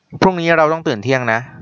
พรุ่งนี้เราต้องตื่นเที่ยงนะ